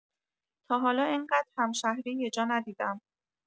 تا حالا انقد همشهری یه جا ندیدم!